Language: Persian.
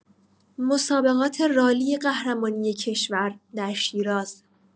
مسابقات رالی قهرمانی کشور در شیراز